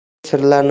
siz bu sirlarni